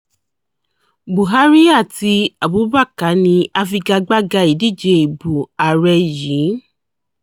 Buhari àti Abubakar ni afigagbága ìdíje ìbò aré yìí.